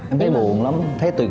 thấy buồn lắm thấy tuyệt